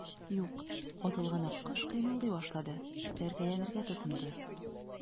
Юк, атылган аккош кыймылдый башлады, бәргәләнергә тотынды.